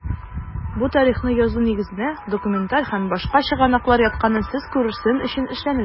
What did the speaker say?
Бу тарихны язу нигезенә документаль һәм башка чыгынаклыр ятканын сез күрсен өчен эшләнгән.